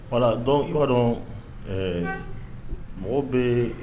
Wala dɔn yɔrɔ dɔn mɔgɔw bɛ yen